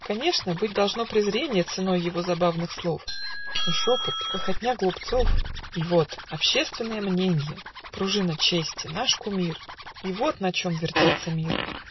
Конечно, быть должно презренье Ценой его забавных слов, Но шепот, хохотня глупцов. " И вот общественное мненье! Пружина чести, наш кумир! И вот на чем вертится мир!